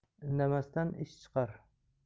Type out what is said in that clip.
indamasdan ish chiqar